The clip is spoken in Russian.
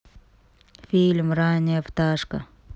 фильм ранняя пташка